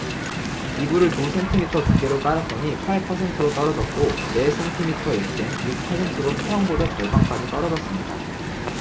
이불을 두 센티미터 두께로 깔았더니 팔 퍼센트로 떨어졌고 네 센티미터일 땐 육 퍼센트로 처음보다 절반까지 떨어졌습니다